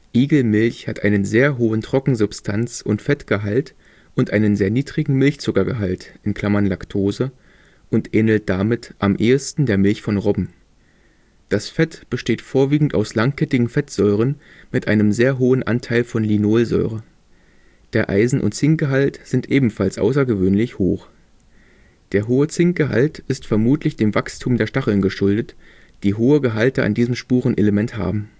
Igelmilch hat einen sehr hohen Trockensubstanz - und Fettgehalt und einen sehr niedrigen Milchzuckergehalt (Lactose) und ähnelt damit am ehesten der Milch von Robben. Das Fett besteht vorwiegend aus langkettigen Fettsäuren mit einem sehr hohen Anteil von Linolsäure. Der Eisen - und Zinkgehalt sind ebenfalls außergewöhnlich hoch. Der hohe Zinkgehalt ist vermutlich dem Wachstum der Stacheln geschuldet, die hohe Gehalte an diesem Spurenelement haben